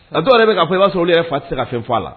Nka dɔw yɛrɛ bɛ ka fɔ i soli fa se ka fɛn' a la